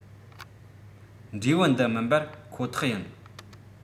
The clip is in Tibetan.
འབྲས བུ འདི མིན པ ཁོ ཐག ཡིན